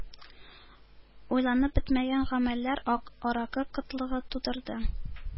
Уйланып бетмәгән гамәлләр аракы кытлыгы тудырды.